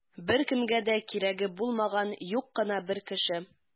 Беркемгә дә кирәге булмаган юк кына бер кеше.